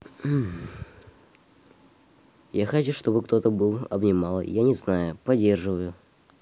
я хочу чтобы кто то был обнимала я не знаю поддерживаю